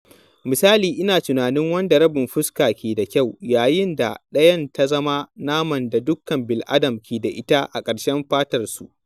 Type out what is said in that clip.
Misali, ina tunanin wanda rabin fuska ke da kyau, yayin da ɗayan ta zama naman da dukan bil’adama ke da ita a ƙarƙashin fatarsu.